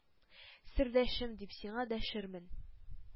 — сердәшем! — дип, сиңа дәшермен.